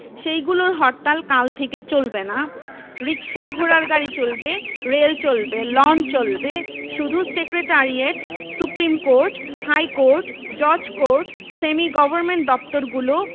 সেইগুলোর হরতাল কাল থেকে চলবে না রিকশা ঘোড়ারগাড়ি চলবে রেল চলবে লঞ্চ চলবে শুধু secretariat supreme court high court judge court semi government দপ্তরগুলো